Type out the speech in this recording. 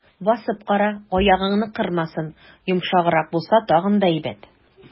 Басып кара, аягыңны кырмасын, йомшаграк булса, тагын да әйбәт.